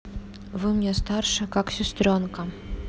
вы мне старшая как сестренка